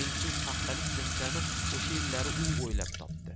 yengsiz paxtalik nimchani o'sha yillari u o'ylab topdi